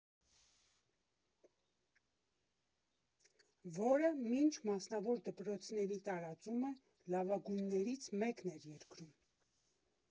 Որը մինչ մասնավոր դպրոցների տարածումը լավագույններից մեկն էր երկրում։